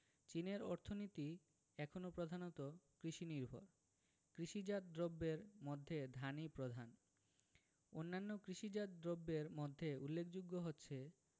চীনের অর্থনীতি এখনো প্রধানত কৃষিনির্ভর কৃষিজাত দ্রব্যের মধ্যে ধানই প্রধান অন্যান্য কৃষিজাত দ্রব্যের মধ্যে উল্লেখযোগ্য হচ্ছে